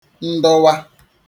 ndọwa